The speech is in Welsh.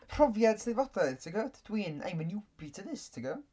Profiad Eisteddfodau ti'n gwybod. Dwi'n... I'm a newbie to this ti'n gwybod?